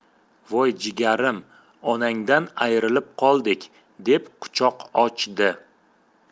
voy jigarim onangdan ayrilib qoldik deb quchoq ochdi